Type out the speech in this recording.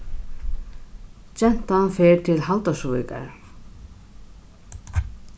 gentan fer til haldórsvíkar